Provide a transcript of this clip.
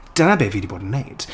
Dyna be fi 'di bod yn wneud.